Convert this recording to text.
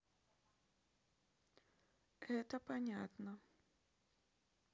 это понятно